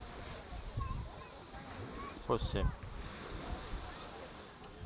pussy